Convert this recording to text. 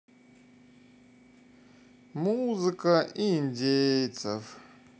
музыка индейцев